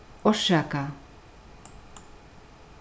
orsaka